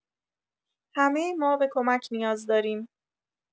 همه ما به کمک نیاز داریم.